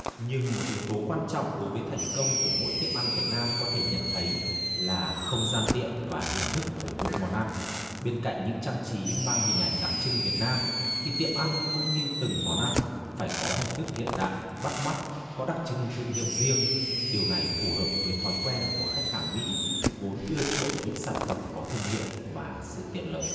nhưng một yếu tố quan trọng đối với thành công của mỗi tiệm ăn việt nam có thể nhận thấy là không gian tiệm và hình thức của mỗi món ăn bên cạnh những trang trí mang hình ảnh đặc trưng việt nam thì tiệm ăn cũng như từng món ăn phải có hình thức hiện đại bắt mắt có đặc trưng thương hiệu riêng điều này phù hợp với thói quen của khách hàng mỹ vốn ưa chuộng những sản phẩm có thương hiệu và sự tiện lợi